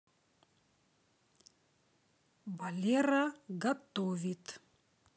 валера готовит